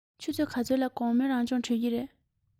ཆུ ཚོད ག ཚོད ལ དགོང མོའི རང སྦྱོང གྲོལ གྱི རེད